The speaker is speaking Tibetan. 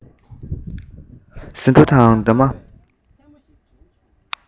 ཟེའུ འབྲུ དང འདབ མ